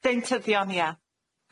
Deintyddion ia.